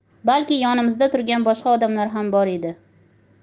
balki yonimizda turgan boshqa odamlar ham bor edi